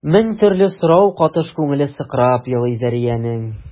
Мең төрле сорау катыш күңеле сыкрап елый Зәриянең.